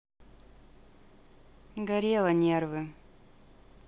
горело нервы